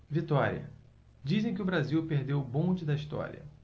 vitória dizem que o brasil perdeu o bonde da história